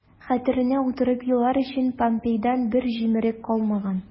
Хәтеренә утырып елар өчен помпейдан бер җимерек калмаган...